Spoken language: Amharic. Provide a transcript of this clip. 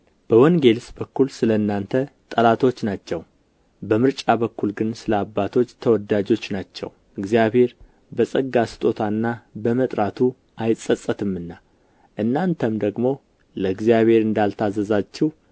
በወንጌልስ በኩል ስለ እናንተ ጠላቶች ናቸው በምርጫ በኩል ግን ስለ አባቶች ተወዳጆች ናቸው እግዚአብሔር በጸጋው ስጦታና በመጥራቱ አይጸጸትምና እናንተም ቀድሞ ለእግዚአብሔር እንዳልታዘዛችሁ